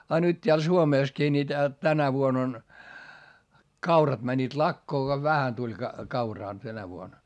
ja nyt täällä Suomessakin niin - tänä vuonna on kaurat menivät lakoon kun vähän tuli - kauraa tänä vuonna